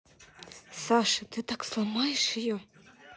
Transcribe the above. саша ты так сломаешь ее